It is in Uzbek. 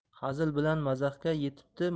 hazil bilan mazaxga yetibdi